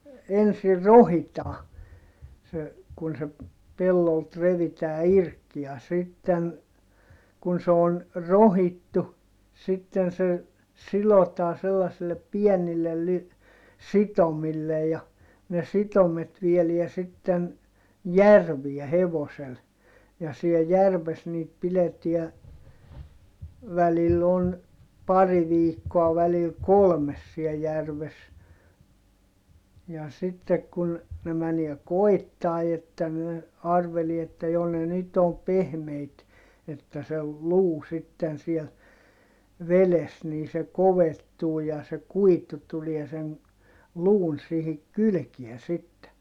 ensin rohkitaan se kun se pellolta revitään irti ja sitten kun se on rohkittu sitten se sidotaan sellaisille pienille - sitomille ja ne sitomet viedään sitten järveen hevoselle ja siellä järvessä niitä pidetään välillä on pari viikkoa välillä kolme siellä järvessä ja sitten kun ne menee koettaa että ne arvelee että jo ne nyt on pehmeitä että se luu sitten siellä vedessä niin se kovettuu ja se kuitu tulee sen luun siihen kylkeen sitten